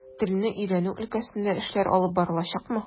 Телне өйрәнү өлкәсендә эшләр алып барылачакмы?